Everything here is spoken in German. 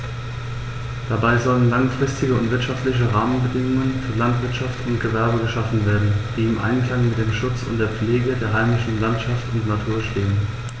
Dabei sollen langfristige und wirtschaftliche Rahmenbedingungen für Landwirtschaft und Gewerbe geschaffen werden, die im Einklang mit dem Schutz und der Pflege der heimischen Landschaft und Natur stehen.